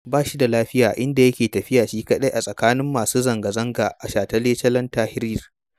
Ba shi da lafiya, inda yake tafiya shi kaɗai a tsakanin masu zangazanga a shataletalen Tahrir.